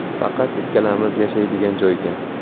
faqat ikkalamiz yashaydigan joyga